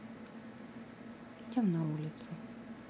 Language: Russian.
идем на улицу